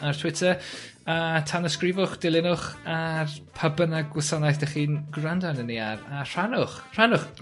...ar Twitter a tanysgrifwch dilinwch ar pa bynnag gwasanaeth dych chi'n gwrando arnyn ni ar a rhannwch rhannwch.